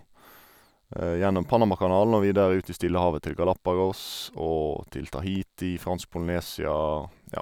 Gjennom Panamakanalen og videre ut i Stillehavet til Galapagos og til Tahiti, Fransk Polynesia, ja.